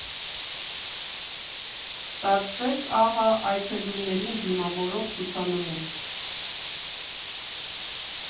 Ստացվեց, ահա, այցելուներին դիմավորող ցուցանմուշ։